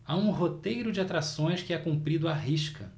há um roteiro de atrações que é cumprido à risca